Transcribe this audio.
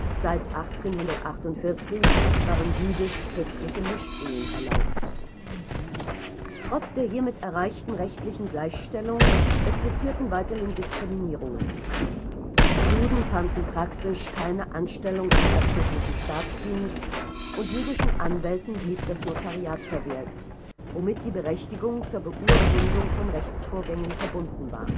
Seit 1848 waren jüdisch-christliche Mischehen erlaubt. Trotz der hiermit erreichten rechtlichen Gleichstellung existierten weiterhin Diskriminierungen. Juden fanden praktisch keine Anstellung im herzoglichen Staatsdienst und jüdischen Anwälten blieb das Notariat verwehrt, womit die Berechtigung zur Beurkundung von Rechtsvorgängen verbunden war